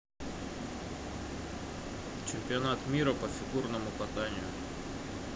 чемпионат мира по фигурному катанию